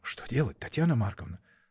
— Что делать, Татьяна Марковна?